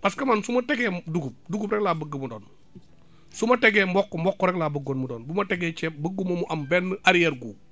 parce que man su ma tegee dugub dugub rek laa bëgg mu doon su ma tegee mboq mboq rek laa bëggoon mu doon bu ma tegee ceeb bëggu ma mu am benn arrière goût